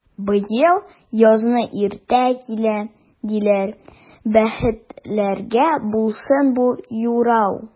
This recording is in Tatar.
Быел язны иртә килә, диләр, бәхетләргә булсын бу юрау!